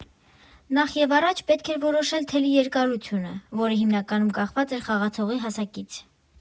Նախ և առաջ պետք էր որոշել թելի երկարությունը, որը հիմնականում կախված էր խաղացողի հասակից։